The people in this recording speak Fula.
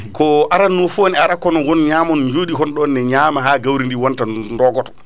ko aranno fo ne ara kono won ñamon joɗikon ɗon ne ñaama ha gawri ndi wonta dogoto